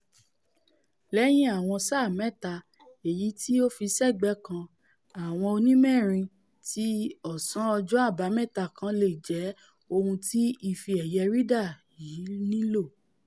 Lẹ́yìn àwọn sáà mẹ́ta èyití ó fì sẹ́ẹ̀gbẹ́ kan, àwọn onímẹ́rin ti ọ̀sán ọjọ́ Àbámẹ́ta kàn leè jẹ́ ohun tí Ife-ẹ̀yẹ Ryder yìí nílò.